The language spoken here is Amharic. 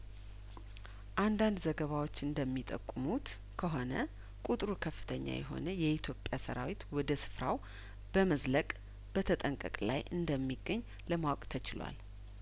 አንዳንድ ዘገባዎች እንደሚጠቁሙት ከሆነ ቁጥሩ ከፍተኛ የሆነ የኢትዮጵያ ሰራዊት ወደ ስፍራው በመዝለቅ በተጠንቀቅ ላይ እንደሚገኝ ለማወቅ ተችሏል